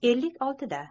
ellik oltida